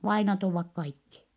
vainajat ovat kaikki